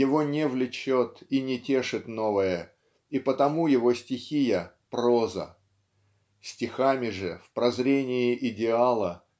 его не влечет и не тешит новое, и потому его стихия -- проза. Стихами же в прозрении идеала